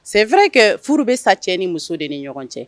C'est vrai que furu bɛ sa cɛ ni muso de ni ɲɔgɔn cɛ.